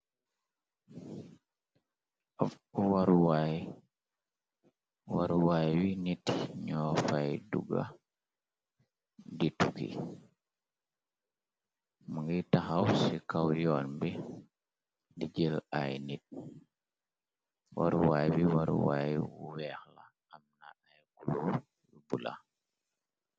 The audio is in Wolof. Waruwaayuy nit ñoo fay duga di tukki mungiy taxaw ci kaw yoon bi di jël ay nit waruwaay bi waruwaay wu weex la am na ay guluur lu bula.